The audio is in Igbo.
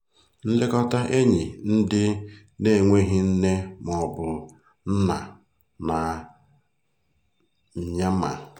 Nlekọta enyi ndị n'enweghị nne mọọbụ nna na Myanmar.